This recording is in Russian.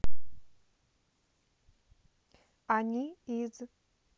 они из